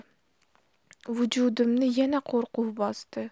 vujudimni yana qo'rquv bosdi